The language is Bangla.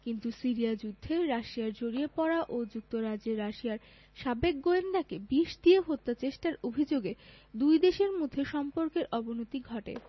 কিন্তু সিরিয়া যুদ্ধে রাশিয়ার জড়িয়ে পড়া ও যুক্তরাজ্যে রাশিয়ার সাবেক গোয়েন্দাকে বিষ দিয়ে হত্যাচেষ্টার অভিযোগে দুই দেশের মধ্যে সম্পর্কের অবনতি ঘটে